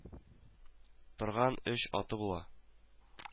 Торган өч аты була